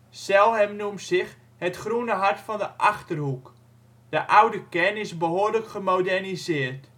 Zelhem noemt zich ' Het Groene Hart van de Achterhoek '. De oude kern is behoorlijk gemoderniseerd